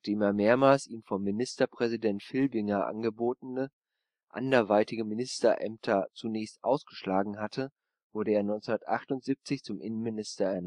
er mehrmals ihm von Ministerpräsident Filbinger angebotene anderweitige Ministerämter zunächst ausgeschlagen hatte, wurde er 1978 zum Innenminister